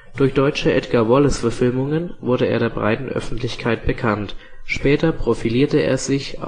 Durch deutsche Edgar Wallace-Verfilmungen wurde er der breiten Öffentlichkeit bekannt, später profilierte er sich